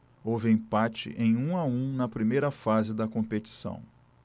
houve empate em um a um na primeira fase da competição